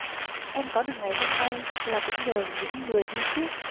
em có được ngày hôm nay là cũng nhờ những người đi trước